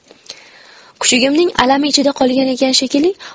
kuchugimning alami ichida qolgan ekan shekilli